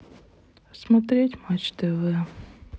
смотреть матч тв